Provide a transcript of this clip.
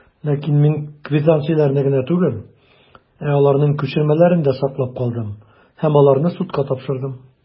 Ләкин мин квитанцияләрне генә түгел, ә аларның күчермәләрен дә саклап калдым, һәм аларны судка тапшырдым.